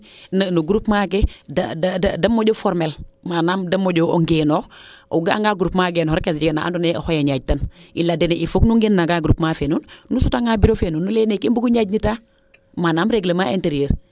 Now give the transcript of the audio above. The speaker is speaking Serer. no groupement ke de moƴo formel manaam de moƴo ngeenoox o ga'a nga groupemnt genoox rek o ande a jeg na ando anye oxey o ñaaƴ tan i leya den il faut nu ngeen na nga groupement fee nuun nu suta nga bureau fee nuun nu leye neeke nu mbungu ñaaƴ nitaa manaam reglement interieur